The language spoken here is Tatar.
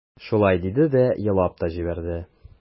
Шулай диде дә елап та җибәрде.